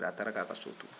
a taara ka a ka so to